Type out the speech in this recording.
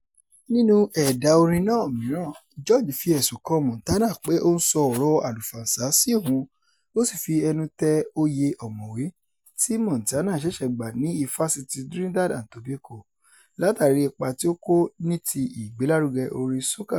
Nínú ẹ̀dà orin náà mìíràn , George fi ẹ̀sùn kan Montana pé ó ń "sọ ọ̀rọ̀ àlùfànṣá" sí òun, ó sì fi ẹnu tẹ́ oyè ọ̀mọ̀wé tí Montano ṣẹ̀ṣẹ̀ gbà ní Ifásitì Trinidad àti Tobago látàrí ipa tí ó kó ní ti ìgbélárugẹ orin soca.